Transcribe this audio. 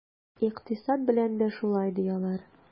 Икътисад белән дә шулай, ди алар.